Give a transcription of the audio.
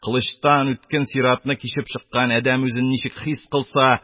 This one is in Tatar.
Кылычтан үткен сиратны кичеп чыккан адәм үзен ничак хис кылса,